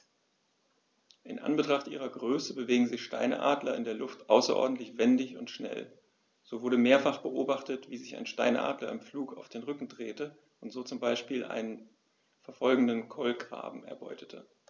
In Anbetracht ihrer Größe bewegen sich Steinadler in der Luft außerordentlich wendig und schnell, so wurde mehrfach beobachtet, wie sich ein Steinadler im Flug auf den Rücken drehte und so zum Beispiel einen verfolgenden Kolkraben erbeutete.